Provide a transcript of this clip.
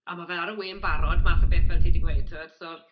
A ma' fe ar y we yn barod, math o beth fel ti 'di gweud, tibod so...